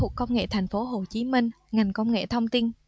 công nghệ thành phố hồ chí minh ngành công nghệ thông tin